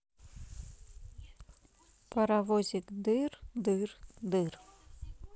паровозик дыр дыр дыр